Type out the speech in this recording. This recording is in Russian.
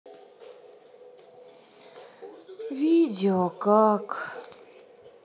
видео как